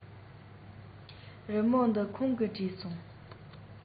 རི མོ འདི ཁོང གིས བྲིས སོང